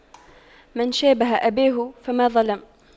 من شابه أباه فما ظلم